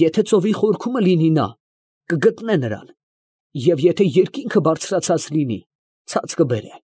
Եթե ծովի խորքումն լինի «նա» կգտնե նրան, և եթե երկինքը բարձրացած լինի, ցած կբերե։